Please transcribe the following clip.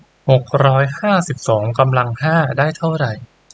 หกร้อยห้าสิบสองกำลังห้าได้เท่าไร